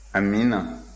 amiina